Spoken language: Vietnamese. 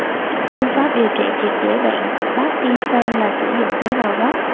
phương pháp điều trị triệt để bệnh parkinson là sử dụng tế bào gốc